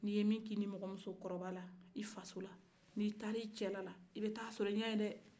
ni ye min kɛ i nimɔgɔmusokɔrɔbala i fasola ni i taara i cɛlala i bɛ taa sɔrɔ i ɲɛ ye dɛ